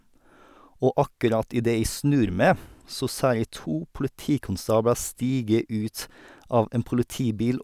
Og akkurat idet jeg snur meg, så ser jeg to politikonstabler stige ut av en politibil.